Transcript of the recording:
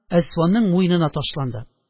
Әсфанның муенына ташланды,